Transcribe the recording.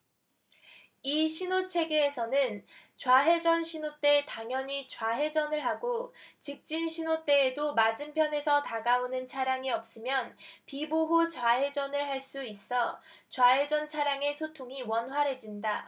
이 신호체계에서는 좌회전 신호 때 당연히 좌회전을 하고 직진 신호 때에도 맞은편에서 다가오는 차량이 없으면 비보호 좌회전을 할 수 있어 좌회전 차량의 소통이 원활해진다